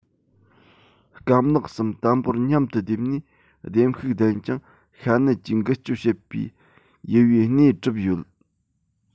སྐམ ལག གསུམ དམ པོར མཉམ དུ སྡེབ ནས ལྡེམ ཤུགས ལྡན ཅིང ཤ གནད ཀྱིས འགུལ སྐྱོད བྱེད པའི ཡུ བའི སྣེ གྲུབ ཡོད